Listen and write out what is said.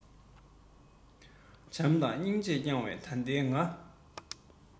བྱམས དང སྙིང རྗེས བསྐྱང པས ད ལྟའི ང